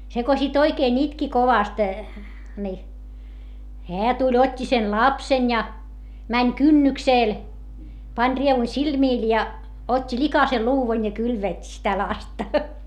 se kun sitten oikein itki kovasti niin hän tuli otti sen lapsen ja meni kynnykselle pani rievun silmille ja otti likaisen luudan ja kylvetti sitä lasta